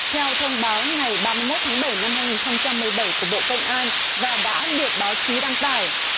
theo thông báo ngày ba mươi mốt tháng bảy năm hai nghìn không trăm mười bảy của bộ công an và đã được báo chí đăng tải